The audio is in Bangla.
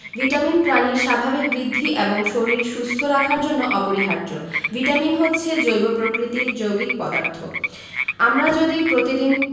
ভিটামিন প্রাণীর স্বাভাবিক বৃদ্ধি এবং শরীর সুস্থ রাখার জন্য অপরিহার্য ভিটামিন হচ্ছে জৈব প্রকৃতির যৌগিক পদার্থ আমরা যদি প্রতিদিন